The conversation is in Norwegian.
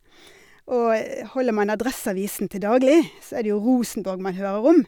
Og holder man Adresseavisen til daglig, så er det jo Rosenborg man hører om.